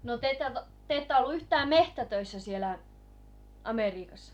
no te ette ollut yhtään metsätöissä siellä Amerikassa